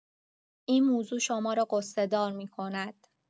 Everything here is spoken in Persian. این موضوع شما را غصه‌دار می‌کند.